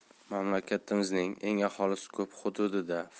mamlakatimizning eng aholisi ko'p hududida farg'ona